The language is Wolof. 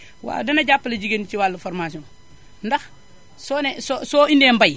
waaw dina jàppale jigéen ñi ci wàllu formation ndax soo nee soo indee mbay